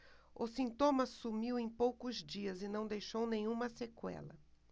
o sintoma sumiu em poucos dias e não deixou nenhuma sequela